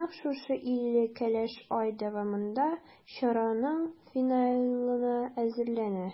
Нәкъ шушы илле кәләш ай дәвамында чараның финалына әзерләнә.